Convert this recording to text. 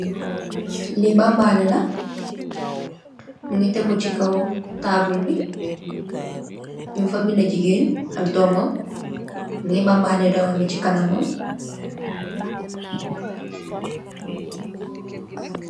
Li bam'mba neh la mungii tégu ci kaw tabull bi, ñing fa bindé jigeen ak dóómam, mugèè bam'mba neh dóómam bi ci kanamam.